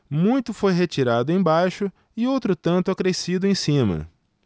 muito foi retirado embaixo e outro tanto acrescido em cima